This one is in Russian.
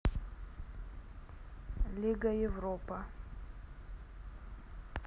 лига европа